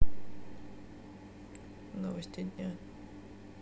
новости дня